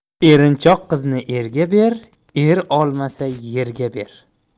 erinchoq qizni erga ber er olmasa yerga ber